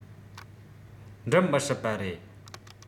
འགྲུབ མི སྲིད པ རེད